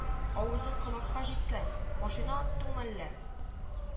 Авызың колакка җиткән, машина оттыңмы әллә